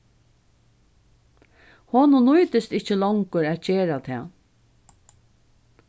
honum nýtist ikki longur at gera tað